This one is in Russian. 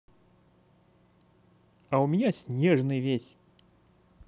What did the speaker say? а у меня снежный весь